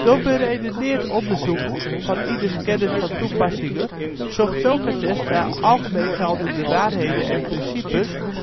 Door beredeneerd onderzoek van ieder 's kennis van toepassingen zocht Socrates naar algemeen geldende waarheden en principes